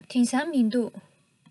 དེང སང མི འདུག